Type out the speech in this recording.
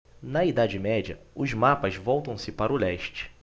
na idade média os mapas voltam-se para o leste